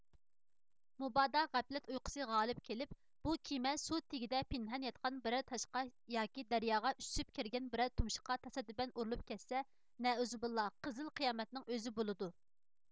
مۇبادا غەپلەت ئۇيقۇسى غالىپ كېلىپ بۇ كېمە سۇ تېگىدە پىنھان ياتقان بىرەر تاشقا ياكى دەرياغا ئۈسۈپ كىرگەن بىرەر تۇمشۇققا تاسادىپەن ئۇرۇلۇپ كەتسە نەئۇزۇبىللا قىزىل قىيامەتنىڭ ئۆزى بولىدۇ